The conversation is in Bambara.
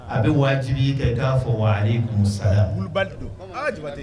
A bɛ wajibi kɛ i k'a fɔ wa kunsa